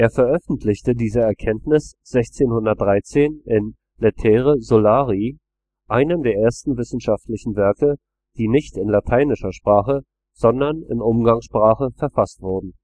veröffentlichte diese Erkenntnis 1613 in Lettere solari, einem der ersten wissenschaftlichen Werke, die nicht in lateinischer Sprache, sondern in Umgangssprache verfasst wurden